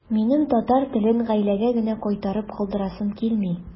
Минем татар телен гаиләгә генә кайтарып калдырасым килми.